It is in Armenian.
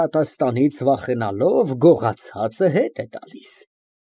Միշտ միևնույն տխուր եղանակը օրվա միևնույն միջոցին։ ՄԱՐԳԱՐԻՏ ֊ (Նվագելով) Ասում են, ժամերն իրանց տրամադրությունն ունին։